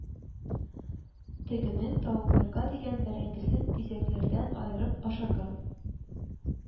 Тегенең тавыкларга дигән бәрәңгесен тизәкләрдән аерып ашарга